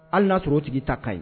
Hali n'a sɔrɔ o tigi ta ka ɲi